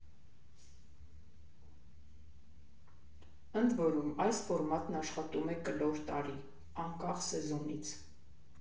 Ընդ որում, այս ֆորմատն աշխատում է կլոր տարի, անկախ սեզոնից.